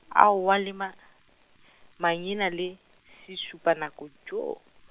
aowa le ma, mangina le, sešupanako yo.